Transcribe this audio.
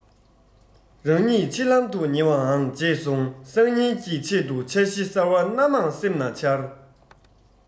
རང ཉིད འཆི ལམ དུ ཉེ བའང བརྗེད འགྲོ སང ཉིན གྱི ཆེད དུ འཆར གཞི གསར བ སྣ མང སེམས ན འཆར